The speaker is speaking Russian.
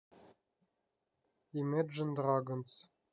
имеджин драгонс